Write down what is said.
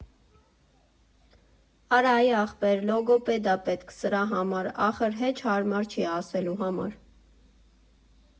֊ Արա այ ախպեր, լոգոպեդա պետք սրա համար, ախր հեչ հարմար չի ասելու համար։